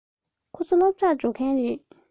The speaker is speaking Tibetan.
ཁོ ཚོ སློབ གྲྭར འགྲོ མཁན རེད